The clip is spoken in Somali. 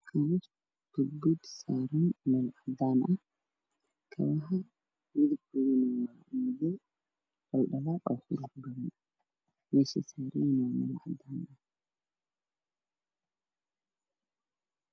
Waa kabo baabuud oo midabkoodu yahay madow oo saaran miis cadaan